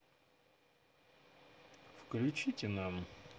включите нам